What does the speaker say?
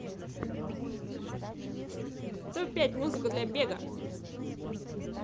топ пять музыку для бега